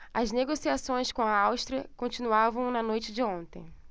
as negociações com a áustria continuavam na noite de ontem